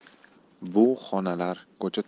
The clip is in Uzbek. bu xonalar ko'cha